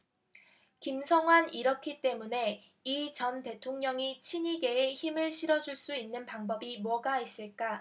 김성완 이렇기 때문에 이 전 대통령이 친이계에게 힘을 실어줄 수 있는 방법이 뭐가 있을까